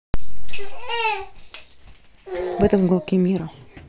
в этом уголке мира